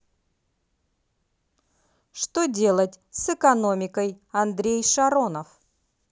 что делать с экономикой андрей шаронов